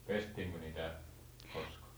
pestiinkö niitä koskaan